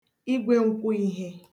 igwēǹkwọihe